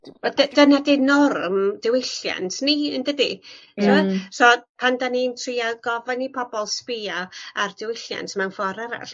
D- wel d- dyna 'di'r norm diwylliant ni yndydi? so pan 'dan ni'n trial gofyn i pobol sbïo ar diwylliant mewn ffor arall